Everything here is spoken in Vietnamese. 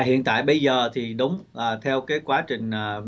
dạ hiện tại bây giờ thì đúng là theo cái quá trình là